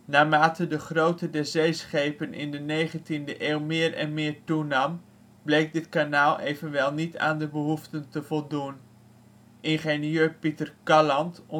Naarmate de grootte der zeeschepen in de 19e eeuw meer en meer toenam, bleek dit kanaal evenwel niet aan de behoeften te voldoen. Ingenieur Pieter Caland